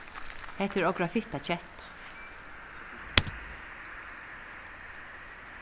hetta er okra fitta ketta